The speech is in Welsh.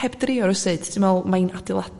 heb drio rywsut dwi' me'l mai'n